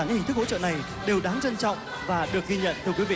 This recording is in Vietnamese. hình thức hỗ trợ này đều đáng trân trọng và được ghi nhận thưa quý vị